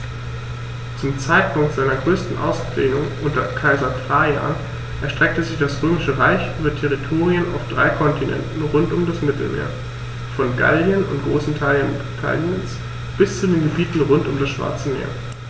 Zum Zeitpunkt seiner größten Ausdehnung unter Kaiser Trajan erstreckte sich das Römische Reich über Territorien auf drei Kontinenten rund um das Mittelmeer: Von Gallien und großen Teilen Britanniens bis zu den Gebieten rund um das Schwarze Meer.